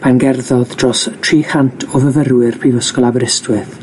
pan gerddodd dros tri chant o fyfyrwyr prifysgol Aberystwyth